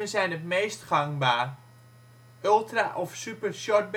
zijn het meest gangbaar: Kongsberg HiPAP 500 transducer van de Balder in dok. Ultra - of Super - Short